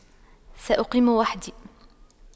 سأقيم وحدي